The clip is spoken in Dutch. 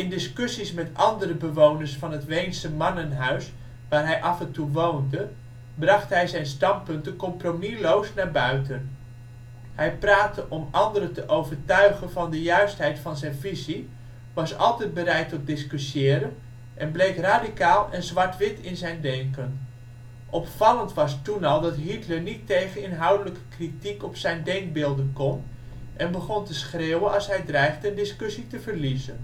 discussies met andere bewoners van het Weense ' mannenhuis ' waar hij af en toe woonde bracht hij zijn standpunten compromisloos naar buiten. Hij praatte om anderen te overtuigen van de juistheid van zijn visie, was altijd bereid tot discussiëren, en hij bleek radicaal en zwart-wit in zijn denken. Opvallend was toen al dat Hitler niet tegen inhoudelijke kritiek op zijn denkbeelden kon en begon te schreeuwen als hij dreigde een discussie te verliezen